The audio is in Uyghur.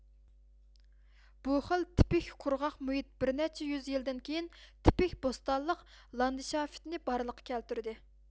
بۇ خىل تىپىك قۇرغاق مۇھىت بىر نەچچە يۈز يىلدىن كىيىن تىپىك بوستانلىق لاندىشافتىنى بارلىققا كەلتۈردى